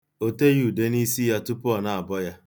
O teghị ude n'isi ya tupu ọ na-abọ ya.